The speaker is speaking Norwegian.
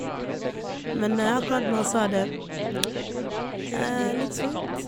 Men akkurat nå så er det litt fint.